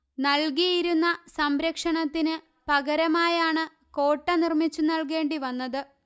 നല്കിയിരുന്ന സംരക്ഷണത്തിന് പകരമായാണ് കോട്ട നിര്മ്മിച്ചു നല്കേണ്ടിവന്നത്